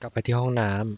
กลับไปที่ห้องน้ำ